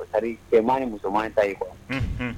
C'est à dire cɛman ni musoman ta ye quoi